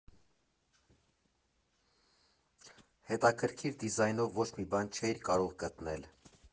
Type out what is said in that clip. Հետաքրքիր դիզայնով ոչ մի բան չէիր կարող գտնել։